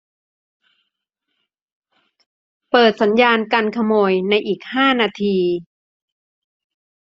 เปิดสัญญาณกันขโมยในอีกห้านาที